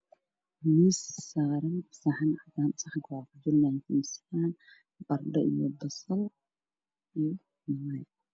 Miis saaran saxan cadaaan saxanka waxaa kujiro jibsi baradho ah basal iyo babay